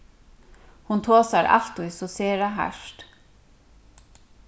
hon tosar altíð so sera hart